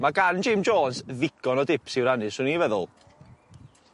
Ma' gan Jim Jones ddigon o dips i'w rannu sw ni'n feddwl.